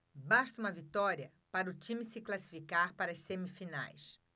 basta uma vitória para o time se classificar para as semifinais